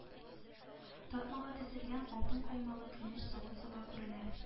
Тартмага тезелгән алтын каймалы көмеш савыт-саба күренә